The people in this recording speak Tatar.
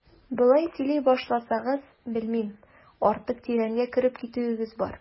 Болай сөйли башласагыз, белмим, артык тирәнгә кереп китүебез бар.